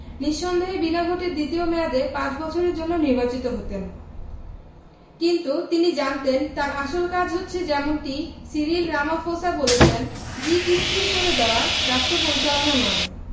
নিঃসন্দেহে বিনা ভোটে দ্বিতীয় মেয়াদে পাঁচ বছরের জন্য নির্বাচিত হতেন কিন্তু তিনি জানতেন তাঁর আসল কাজ হচ্ছে যেমনটি সিরিল রামাফোসা বলেছেন দিক স্থির করে দেওয়া রাষ্ট্রপরিচালনা নয়